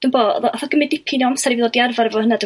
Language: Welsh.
dwmbo oddo... nath o gym'yd dipyn o amser i fi ddod i arfer efo hyna